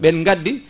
gaddi